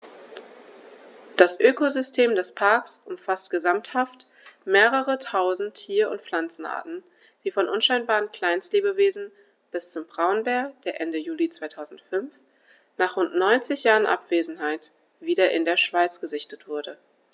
Das Ökosystem des Parks umfasst gesamthaft mehrere tausend Tier- und Pflanzenarten, von unscheinbaren Kleinstlebewesen bis zum Braunbär, der Ende Juli 2005, nach rund 90 Jahren Abwesenheit, wieder in der Schweiz gesichtet wurde.